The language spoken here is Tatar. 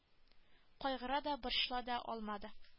Кайгыра да борчыла да алмады